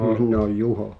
minä olen Juho